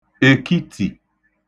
èkitì